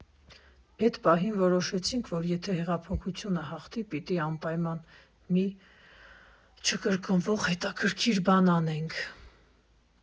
Էդ պահին որոշեցինք, որ եթե հեղափոխությունը հաղթի, պիտի անպայման մի չկրկնվող հետաքրքիր բան անենք։